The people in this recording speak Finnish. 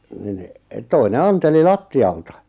niin toinen antoi lattialta